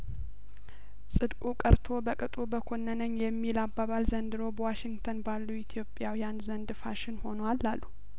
ጽድቁ ቀርቶ በቅጡ በኮነነኝ የሚል አባባል ዘንድሮ በዋሽንግተን ባሉ ኢትዮጵያውያን ዘንድ ፋሽን ሆኗል አሉ